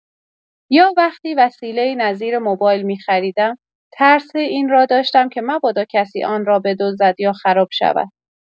یا وقتی وسیله‌ای نظیر موبایل می‌خریدم، ترس این را داشتم که مبادا کسی آن را بدزدد یا خراب شود.